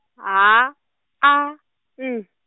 H A N.